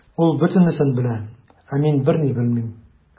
Ул бөтенесен белә, ә мин берни белмим.